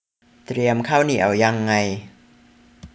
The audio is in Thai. เตรียมข้าวเหนียวยังไง